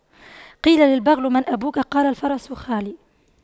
قيل للبغل من أبوك قال الفرس خالي